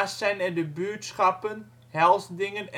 Zijderveld Buurtschappen: Helsdingen